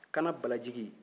kaanabalajigi